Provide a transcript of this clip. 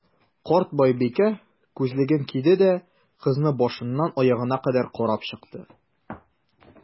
Карт байбикә, күзлеген киде дә, кызны башыннан аягына кадәр карап чыкты.